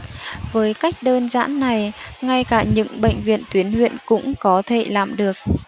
với cách đơn giản này ngay cả những bệnh viện tuyến huyện cũng có thể làm được